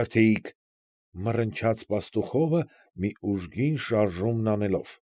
Ջարդեիք,֊ մռնչաց Պաստուխովը, մի ուժգին շարժումն անելով։ ֊